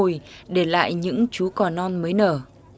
mồi để lại những chú cò non mới nở